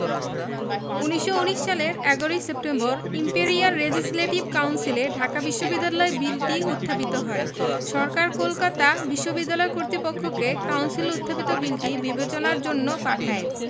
১৯১৯ সালের ১১ ই September imperial legislative কাউন্সিলে ঢাকা বিশ্ববিদ্যালয় বিলটি উত্থাপিত হয় সরকার কলকাতা বিশ্ববিদ্যালয় কর্তৃপক্ষকে কাউন্সিলে উত্থাপিত বিলটি বিবেচনার জন্য পাঠায়